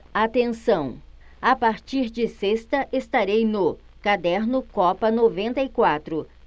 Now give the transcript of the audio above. atenção a partir de sexta estarei no caderno copa noventa e quatro